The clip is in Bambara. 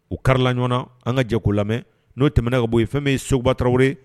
U kari ɲɔgɔnna an ka jɛ lamɛn n'o tɛmɛna ka bɔ ye fɛn bɛ ye sobataraww